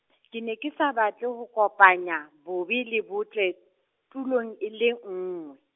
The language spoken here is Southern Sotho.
ke ne ke sa batle ho kopanya bobe le botle, tulong e le nngwe.